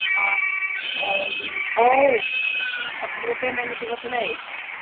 Ac yym o! Dach chi'n gwbod be' mae'n mynd i fod yn neud?